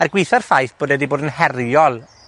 er gwitha'r ffaith bod e 'di bod yn heriol